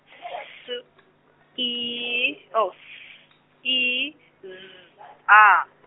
S E E Z A.